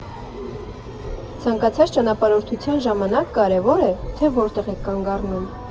Ցանկացած ճամփորդության ժամանակ կարևոր է, թե որտեղ եք կանգ առնում։